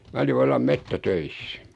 minä olin vallan metsätöissä